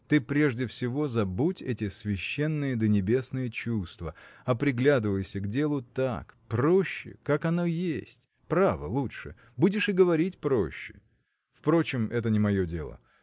Ты прежде всего забудь эти священные да небесные чувства а приглядывайся к делу так проще как оно есть право лучше будешь и говорить проще. Впрочем, это не мое дело.